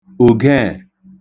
òġẹẹ̀